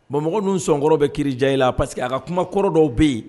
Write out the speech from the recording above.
Bon mɔgɔ ninnu sɔn kɔrɔ bɛɛ kirija i la parce que a ka kuma kɔrɔ dɔw be ye